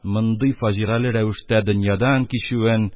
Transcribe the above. Мондый фаҗигале рәвештә дөньядан кичүен